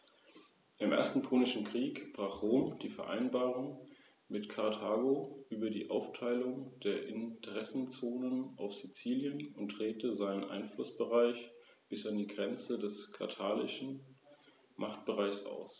Über das Ansehen dieser Steuerpächter erfährt man etwa in der Bibel.